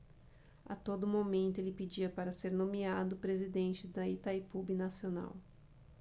a todo momento ele pedia para ser nomeado presidente de itaipu binacional